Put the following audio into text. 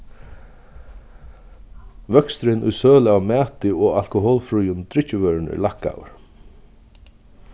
vøksturin í sølu av mati og alkoholfríum drykkjuvørum er lækkaður